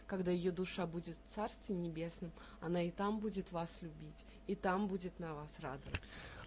Когда ее душа будет в царствии небесном, она и там будет вас любить и там будет на вас радоваться.